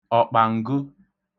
ọ̀kpàǹgo